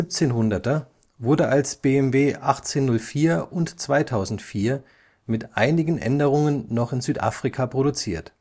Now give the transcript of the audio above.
1700er wurde als BMW 1804 und 2004 mit einigen Änderungen noch in Südafrika produziert